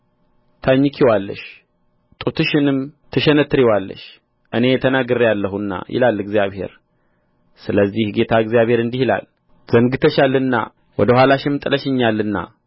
ታኝኪዋለሽ ጡትሽንም ትሸነትሪዋለሽ እኔ ተናግሬአለሁና ይላል እግዚአብሔር ስለዚህ ጌታ እግዚአብሔር እንዲህ ይላል ዘንግተሽኛልና ወደ ኋላሽም ጥለሽኛልና